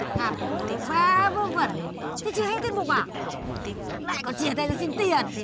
hát vớ va vớ vẩn thế chưa hết tiết mục à lại còn chìa tay ra xin tiền